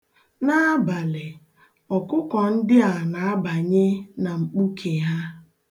N'abalị, ọkụkọ ndị a na-abanye na mkpuke ha.